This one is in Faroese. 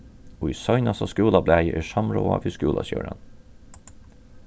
í seinasta skúlablaði er samrøða við skúlastjóran